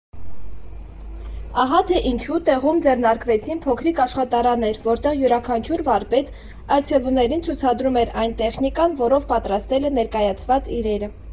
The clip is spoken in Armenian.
Ահա թե ինչու տեղում ձեռնարկվեցին փոքրիկ աշխատարաններ, որտեղ յուրաքանչյուր վարպետ այցելուներին ցուցադրում էր այն տեխնիկան, որով պատրաստել է ներկայացված իրերը։